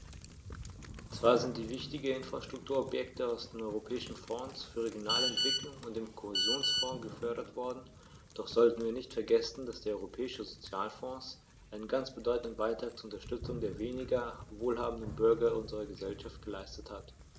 Zwar sind wichtige Infrastrukturprojekte aus dem Europäischen Fonds für regionale Entwicklung und dem Kohäsionsfonds gefördert worden, doch sollten wir nicht vergessen, dass der Europäische Sozialfonds einen ganz bedeutenden Beitrag zur Unterstützung der weniger wohlhabenden Bürger unserer Gesellschaft geleistet hat.